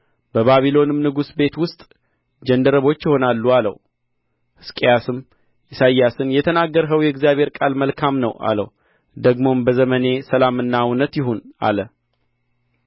በባቢሎንም ንጉሥ ቤት ውስጥ ጃንደረቦች ይሆናሉ አለው ሕዝቅያስም ኢሳይያስን የተናገርኸው የእግዚአብሔር ቃል መልካም ነው አለው ደግሞም በዘመኔ ሰላምና እውነት ይሁን አለ